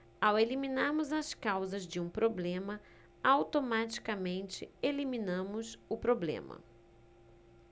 ao eliminarmos as causas de um problema automaticamente eliminamos o problema